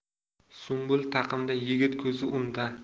sumbul taqimda yigit ko'zi unda